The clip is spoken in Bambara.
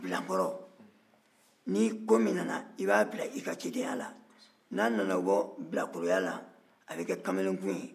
bilankɔrɔ ni ko min nana i b'a bila i ka cidenya la n'a nana bɔ bilakoroya la a bɛ kɛ kamalenkun ye